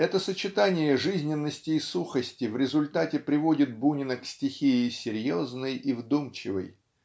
Это сочетание жизненности и сухости в результате приводит Бунина к стихии серьезной и вдумчивой.